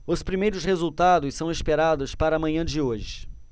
os primeiros resultados são esperados para a manhã de hoje